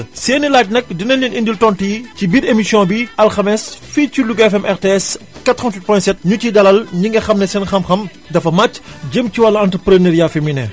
seen i laaj nag dinañu leen indil tontu yi ci biir émission bi alxames fii ci Louga FM RTS 88.7 ñu ciy dalal ñi nga xam ne seen xam-xam dafa màcc jëm ci wàllu entreprenariat féminin